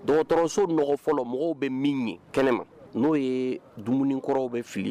Dɔgɔtɔrɔsoɔgɔn fɔlɔ mɔgɔw bɛ min ye kɛnɛma n'o ye dumunikɔrɔw bɛ fili